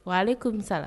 Wa ale kɔmimisa la